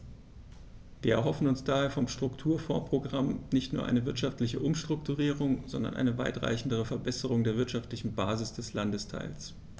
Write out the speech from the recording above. Wir erhoffen uns daher vom Strukturfondsprogramm nicht nur eine wirtschaftliche Umstrukturierung, sondern eine weitreichendere Verbesserung der wirtschaftlichen Basis des Landesteils.